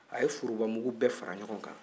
a ye forobamugu bɛɛ fara ɲɔgɔn kan